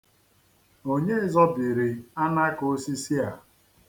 Onye zobiri anaka osisi a?